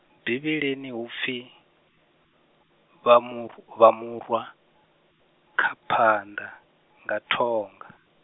Bivhilini hu pfi, vha mu r-, vha mu rwa, kha phanḓa, nga thonga.